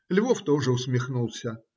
Львов тоже усмехнулся